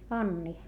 Anni